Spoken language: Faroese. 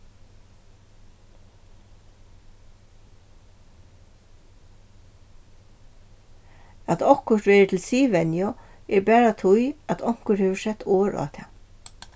at okkurt verður til siðvenju er bara tí at onkur hevur sett orð á tað